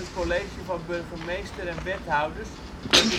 college van Burgemeester en Wethouders dat